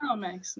O neis.